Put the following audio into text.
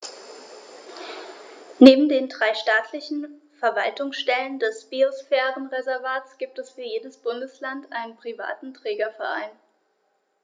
Neben den drei staatlichen Verwaltungsstellen des Biosphärenreservates gibt es für jedes Bundesland einen privaten Trägerverein.